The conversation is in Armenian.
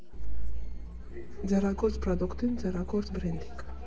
Ձեռագործ պրոդուկտին՝ ձեռագործ բրենդինգ.